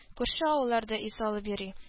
Күрше авылларда өй салып йөри